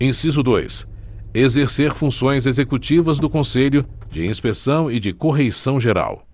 inciso dois exercer funções executivas do conselho de inspeção e de correição geral